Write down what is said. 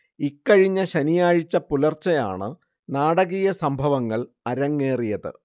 ഇക്കഴിഞ്ഞ ശനിയാഴ്ച പുലർച്ചയാണ് നാടകീയ സംഭവങ്ങൾ അരങ്ങേറിയത്